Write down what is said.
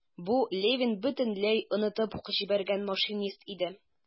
Бу - Левин бөтенләй онытып ук җибәргән машинист иде.